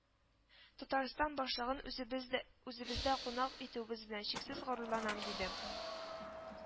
Татарстан башлыгын үзебез дә үзебездә кунак итүебез белән чиксез горурланам ,- диде